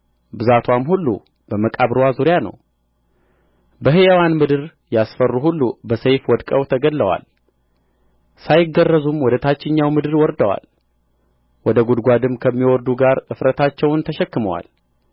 ብዛትዋም ሁሉ በመቃብርዋ ዙሪያ ነው በሕያዋን ምድር ያስፈሩ ሁሉ በሰይፍ ወድቀው ተገድለዋል ሳይገረዙም ወደ ታችኛው ምድር ወርደዋል ወደ ጕድጓድም ከሚወርዱ ጋር እፍረታቸውን ተሸክመዋል